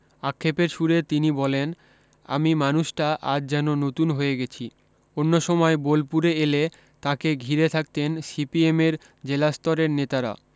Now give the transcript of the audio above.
আক্ষেপের সুরে তিনি বলেন আমি মানুষটা আজ যেন নতুন হয়ে গেছি অন্যসময় বোলপুরে এলে তাঁকে ঘিরে থাকতেন সিপিএমের জেলাস্তরের নেতারা